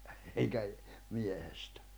enkä miehestä